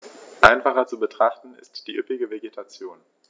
Einfacher zu betrachten ist die üppige Vegetation.